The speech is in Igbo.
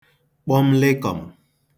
kpọm lịkọ̀m̀